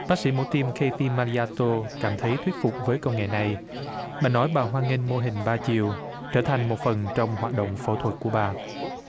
bác sĩ mổ tim khây phi ma li a tô cảm thấy thuyết phục với công nghệ này bà nói bà hoan nghênh mô hình ba chiều trở thành một phần trong hoạt động phẫu thuật của bà